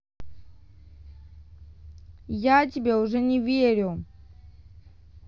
я тебя уже не верю